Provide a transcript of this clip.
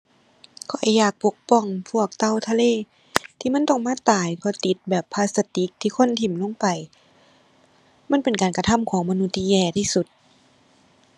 ข้อยอยากปกป้องพวกเต่าทะเล ที่มันต้องมาตายเพราะติดแบบพลาสติกที่คนถิ้มลงไป มันเป็นการกระทำของมนุษย์ที่แย่ที่สุด